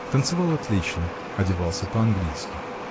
танцевал отлично, одевался по-английски.